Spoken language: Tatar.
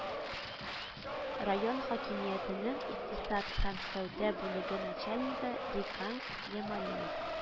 Район хакимиятенең икътисад һәм сәүдә бүлеге начальнигы реканс ямалиев